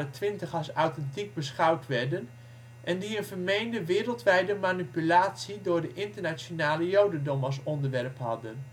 twintig als authentiek beschouwd werden (en nu nog in sommige Arabische milieus) en die een vermeende wereldwijde manipulatie door het internationale jodendom als onderwerp hadden